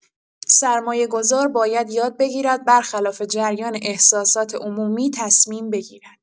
سرمایه‌گذار باید یاد بگیرد برخلاف جریان احساسات عمومی تصمیم بگیرد.